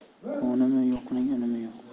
qo'nimi yo'qning unumi yo'q